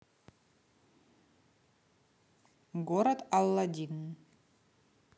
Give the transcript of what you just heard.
город алладин